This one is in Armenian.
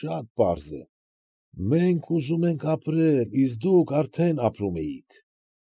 Շատ պարզ է։ Մենք ուզում էինք ապրել, իսկ դուք արդեն ապրում էիք։